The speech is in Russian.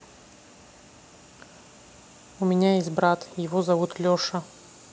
у меня есть брат его зовут леша